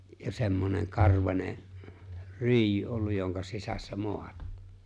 ja semmoinen karvainen ryijy ollut jonka sisässä maata